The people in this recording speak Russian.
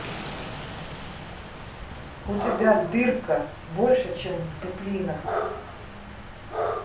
у тебя дырка больше чем в дуплинах